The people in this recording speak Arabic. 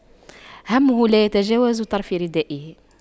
همه لا يتجاوز طرفي ردائه